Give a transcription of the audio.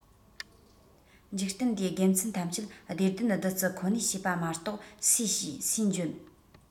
འཇིག རྟེན འདིའི དགེ མཚན ཐམས ཅད བདེ ལྡན བདུད རྩི ཁོ ནས བྱས པ མ གཏོགས སུས བྱས སུས འཇོན